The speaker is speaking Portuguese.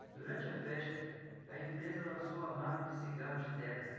durante a festa a empresa lançou a marca de cigarros tetra